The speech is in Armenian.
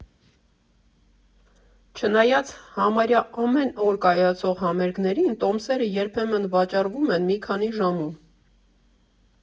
Չնայած համարյա ամեն օր կայացող համերգներին, տոմսերը երբեմն վաճառվում են մի քանի ժամում։